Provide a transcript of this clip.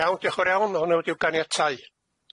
Iawn dioch yn fawr iawn. Hwnna wedi'w ganiatáu.